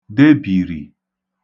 debìrì